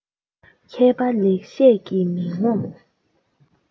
མཁས པ ལེགས བཤད ཀྱིས མི ངོམས